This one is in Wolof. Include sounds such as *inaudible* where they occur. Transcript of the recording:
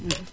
*hesitation* *hesitation*